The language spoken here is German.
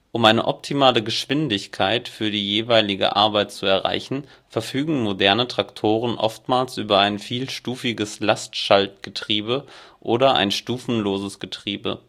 Um eine optimale Geschwindigkeit für die jeweilige Arbeit zu erreichen verfügen moderne Traktoren oftmals über ein vielstufiges Lastschaltgetriebe oder ein stufenloses Getriebe